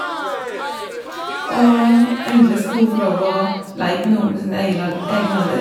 Og endelig skal hun få lov å leike med noen på sin egel al egen alder.